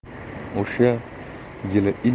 o'sha yili ilk bor geni